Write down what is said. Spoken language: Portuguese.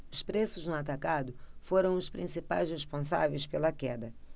os preços no atacado foram os principais responsáveis pela queda